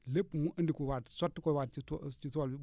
lépp mu andi ko waat sotti ko waat ci too ci tool bi